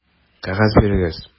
Кәгазь бирегез!